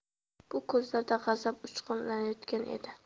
bu ko'zlarda g'azab uchqunlanayotgan edi